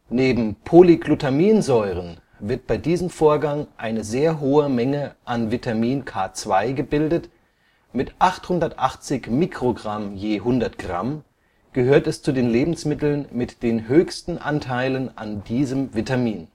Neben Polyglutaminsäuren wird bei diesem Vorgang eine sehr hohe Menge an Vitamin K2 gebildet, mit 880 µg je 100 g gehört es zu den Lebensmitteln mit den höchsten Anteilen an diesem Vitamin